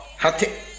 hatɛ